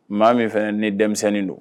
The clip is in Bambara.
Maa min fɛ ni denmisɛnnin don